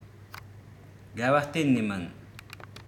དགའ བ གཏན ནས མིན